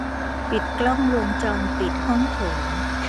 ปิดกล้องวงจรปิดห้องโถง